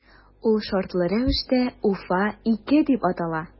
Ул шартлы рәвештә “Уфа- 2” дип атала.